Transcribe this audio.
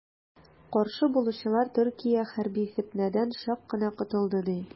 Каршы булучылар, Төркия хәрби фетнәдән чак кына котылды, ди.